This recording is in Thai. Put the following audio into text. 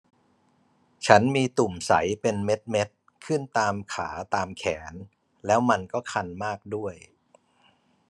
ฉันมีตุ่มใสเป็นเม็ดเม็ดขึ้นตามขาตามแขนแล้วมันก็คันมากด้วย